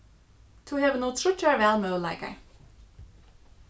tú hevur nú tríggjar valmøguleikar